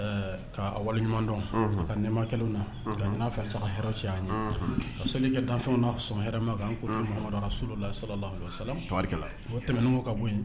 Ma na fɛ sara cɛ seli kɛ danfɛnw son ka n kora su la la o tɛmɛn ka bon